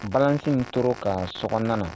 Bain tora ka sonan